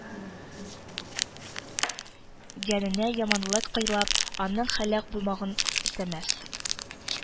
Гәненә яманлык кыйлып, аның һәлак булмакын эстәмәс